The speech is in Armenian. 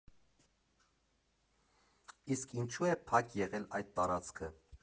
Իսկ ինչու՞ է փակ եղել այդ տարածքը։